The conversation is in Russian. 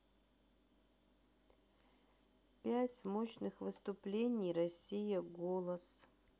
пять мощных выступлений россия голос